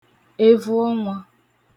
evu ọnwā